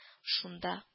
Шунда